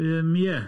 Yym, ie.